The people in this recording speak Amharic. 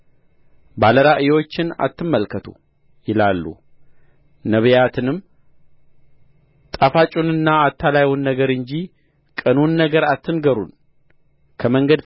ባለ ራእዮችን አትመልከቱ ይላሉ ነቢያትንም ጣፋጩንና አታላዩን ነገር እንጂ ቅኑን ነገር አትንገሩን ከመንገድ